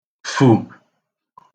-fù